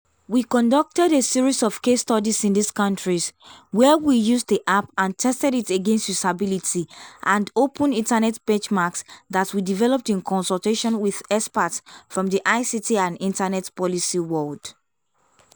We conducted a series of case studies in these countries where we used the app and tested it against usability and open internet benchmarks that we developed in consultation with experts from the ICT and internet policy world.